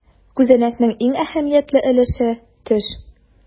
Күзәнәкнең иң әһәмиятле өлеше - төш.